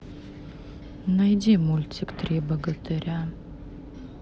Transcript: найди мультик три богатыря